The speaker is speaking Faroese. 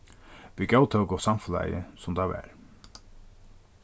vit góðtóku samfelagið sum tað var